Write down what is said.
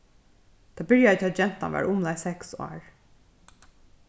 tað byrjaði tá ið gentan var umleið seks ár